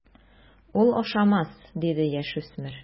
Ул ашамас, - диде яшүсмер.